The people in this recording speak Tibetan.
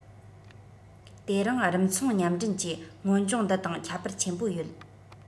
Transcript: དེ རིང རིམ མཚུངས མཉམ འགྲན གྱི སྔོན སྦྱོང འདི དང ཁྱད པར ཆེན པོ ཡོད